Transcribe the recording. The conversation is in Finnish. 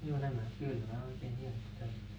joo nämä kyllä nämä oikein hienot on tämmöiset